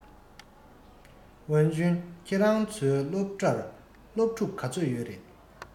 ཝུན ཅུན ཁྱོད རང ཚོའི སློབ གྲྭར སློབ ཕྲུག ག ཚོད ཡོད རེད